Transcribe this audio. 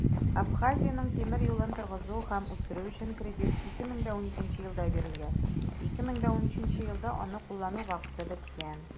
Абхазиянең тимер юлын торгызу һәм үстерү өчен кредит 2012 елда бирелгән, 2013 елда аны куллану вакыты беткән.